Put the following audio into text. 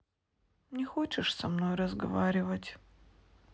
не хочешь со мной разговаривать